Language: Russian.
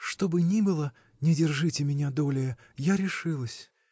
— Что бы ни было, не держите меня долее, я решилась.